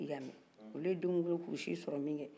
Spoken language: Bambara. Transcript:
i ya mɛ olu ye denw wolo k'u siw sɔrɔ min kɛ